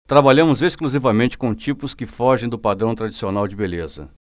trabalhamos exclusivamente com tipos que fogem do padrão tradicional de beleza